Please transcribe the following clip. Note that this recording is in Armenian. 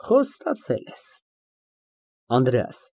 Խոստացել ես։ ԱՆԴՐԵԱՍ ֊